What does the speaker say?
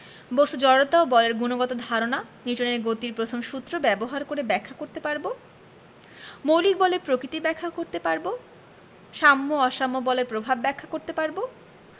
বস্তুর জড়তা ও বলের গুণগত ধারণা নিউটনের গতির প্রথম সূত্র ব্যবহার করে ব্যাখ্যা করতে পারব মৌলিক বলের প্রকৃতি ব্যাখ্যা করতে পারব সাম্য ও অসাম্য বলের প্রভাব ব্যাখ্যা করতে পারব